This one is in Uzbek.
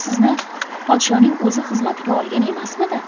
sizni podshoning o'zi xizmatiga olgan emasmidi